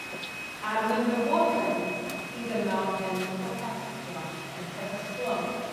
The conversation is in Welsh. a'r menywod wedyn, sydd yno yn protestio yn heddychlon.